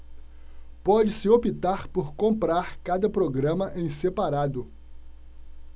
pode-se optar por comprar cada programa em separado